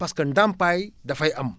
parce que ndàmpaay dafay am